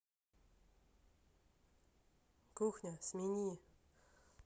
кухня смени